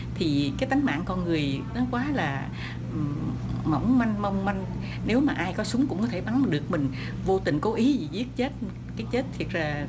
thì cái tánh mạng con người nó quá là mỏng manh mong manh nếu mà ai có súng cũng có thể bắn được mình vô tình cố ý giết chết cái chết thiệt là